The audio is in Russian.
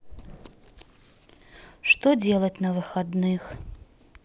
что делать на выходных